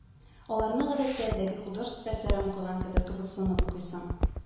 Аларны, гадәттә, әдәби-художество әсәрен укыган кебек кызыксынып укыйсың.